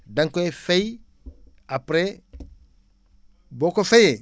da nga koy fay après boo ko fayee